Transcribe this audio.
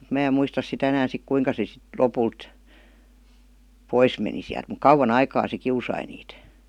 mutta minä en muista sitä enää sitten kuinka se sitten lopulta pois meni sieltä mutta kauan aikaa se kiusasi niitä